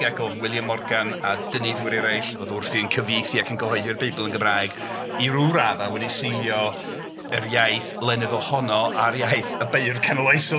Ac oedd William Morgan a dyneiddwyr eraill oedd wrthi'n cyfieithu ac yn cyhoeddi'r Beibl yn Gymraeg i ryw raddau wedi seilio yr iaith Lenyddol honno ar iaith y beirdd canol oesol